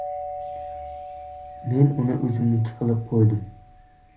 men uni o'zimniki qilib qo'ydim